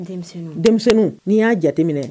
Denmisɛnnin n'i y'a jate minɛ